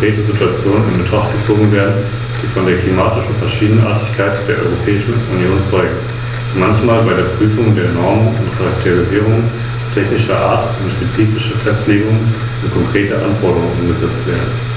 gerecht, und der Versuchung, das lokale Steueraufkommen in Gebieten, in denen entsprechende Projekte durchgeführt werden, unnötig über längere Zeit zu belasten, wird erfolgreich entgegengewirkt. Zudem macht das Parlament damit deutlich, wie ernst es den Ruf nach derartigen Reformen nimmt.